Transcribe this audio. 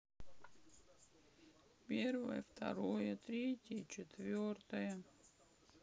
первое второе третье четвертое